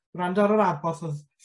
wrando ar yr adborth odd...